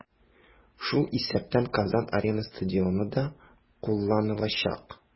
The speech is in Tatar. Шул исәптән "Казан-Арена" стадионы да кулланылачак.